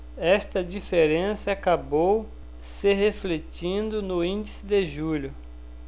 esta diferença acabou se refletindo no índice de julho